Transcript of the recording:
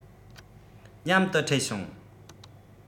མཉམ དུ འཕྲད བྱུང